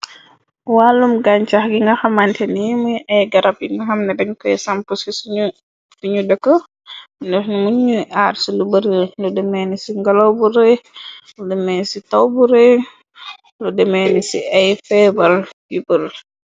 Wàllum gañcax gi nga xamante ni muy ay garab yina xam na dañ koy sampusk suñu dëkk. Ndex na muñ ñu aar ci lu bëre lu demeeni ci ngalow bu re. Demee ci taw bu ree lu demeeni ci ay feebal yu bër.